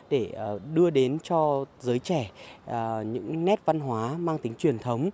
để đưa đến cho giới trẻ ở những nét văn hóa mang tính truyền thống